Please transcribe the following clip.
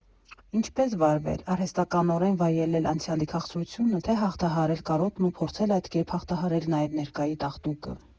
Ինչպե՞ս վարվել՝ արհեստականորեն վայելել անցյալի քաղցրությո՞ւնը, թե՞ հաղթահարել կարոտն ու փորձել այդ կերպ հաղթահարել նաև ներկայի տաղտուկը։